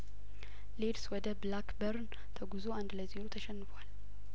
ሊድስ ወደ ብላክበርን ተጉዞ አንድ ለዜሮ ተሸንፏል